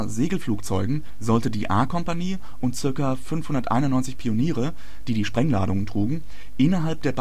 Horsa-Segelflugzeugen sollte die A-Kompanie und ca. 591 Pioniere, die die Sprengladungen trugen, innerhalb der